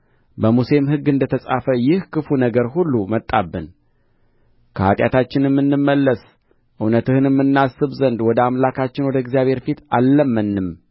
በሙሴም ሕግ እንደ ተጻፈ ይህ ክፉ ነገር ሁሉ መጣብን ከኃጢአታችንም እንመለስ እውነትህንም እናስብ ዘንድ ወደ አምላካችን ወደ እግዚአብሔር ፊት አልለመንንም